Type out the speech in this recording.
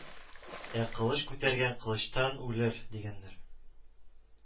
Ә кылыч күтәргән кылычтан үләр, дигәннәр